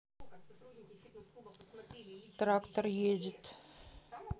трактор едет